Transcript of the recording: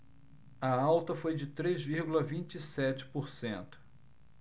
a alta foi de três vírgula vinte e sete por cento